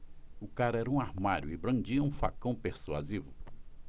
o cara era um armário e brandia um facão persuasivo